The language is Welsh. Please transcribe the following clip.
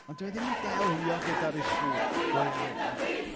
Ond dyw e ddim yn delio gyda'r issue go iawn na 'di?